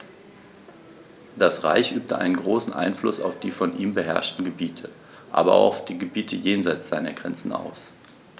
Das Reich übte einen großen Einfluss auf die von ihm beherrschten Gebiete, aber auch auf die Gebiete jenseits seiner Grenzen aus.